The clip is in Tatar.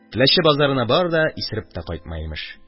Теләче базарына бар да исереп тә кайтма, имеш.